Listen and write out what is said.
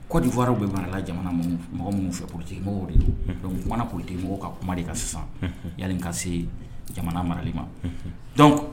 Kodiwa bɛ marala mɔgɔ minnu fɛ kulute mɔgɔw de donumana kulute mɔgɔw ka kuma de ka sisan ya ka se jamana marali ma dɔn